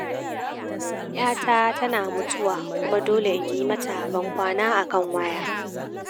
‘ya ta tana mutuwa kuma dole in yi mata bankwana a kan waya